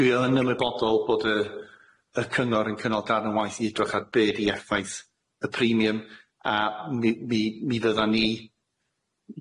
Dwi yn ymwybodol bod yy y cyngor yn cynnal darn o waith i edrych ar be' di effaith y premium a mi mi mi fyddan ni,